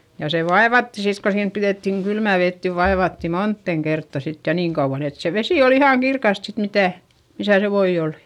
ja se vaivattiin sitten kun siinä pidettiin kylmää vettä niin vaivattiin moneen kertaan sitten ja niin kauan että se vesi oli ihan kirkasta sitten mitä missä se voi oli